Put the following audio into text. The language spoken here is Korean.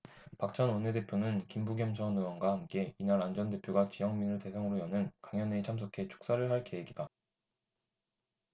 박 전 원내대표는 김부겸 전 의원과 함께 이날 안 전 대표가 지역민을 대상으로 여는 강연회에 참석해 축사를 할 계획이다